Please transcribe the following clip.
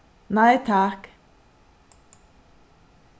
nei takk